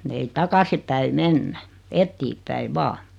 ei takaisin päin mennä eteenpäin vain